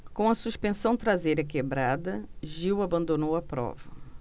com a suspensão traseira quebrada gil abandonou a prova